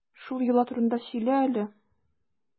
Шул йола турында сөйлә әле.